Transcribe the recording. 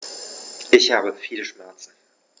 Ich habe viele Schmerzen.